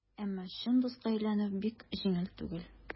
Әмма чын дуска әйләнү бик җиңел түгел.